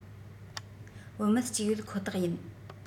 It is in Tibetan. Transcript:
བུད མེད གཅིག ཡོད ཁོ ཐག ཡིན